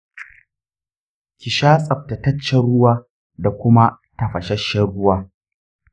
kisha tsaftataccen ruwa da kuma tafashashen ruwa.